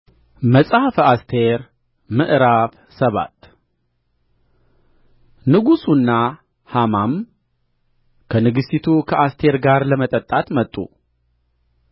መጽሐፈ አስቴር ምዕራፍ ሰባት ንጉሡና ሐማም ከንግሥቲቱ ከአስቴር ጋር ለመጠጣት መጡ